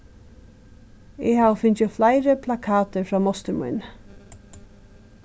eg havi fingið fleiri plakatir frá mostir míni